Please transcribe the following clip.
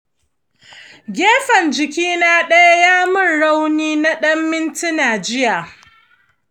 gefen jikina ɗaya ya min rauni na ɗan mintina jiya.